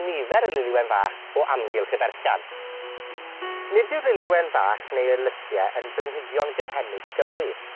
nifer y Lili Wen Fach o amgylch y berllan. Nid yw'r Lili Wen Fach neu Alysia yn blanhigion gynhennid i Gymru.